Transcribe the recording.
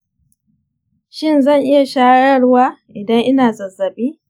shin zan iya shayarwa idan ina zazzabi?